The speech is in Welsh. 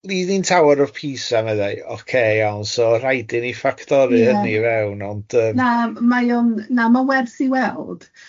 Leaning tower of Pisa meddai, ocê iawn, so rhaid i ni ffactoru hynny i fewn, ond yym. Na, mae o'n na, ma'n werth i weld.